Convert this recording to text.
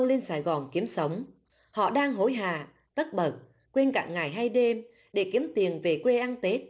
lên sài gòn kiếm sống họ đang hối hả tất bật quên cả ngày hay đêm để kiếm tiền về quê ăn tết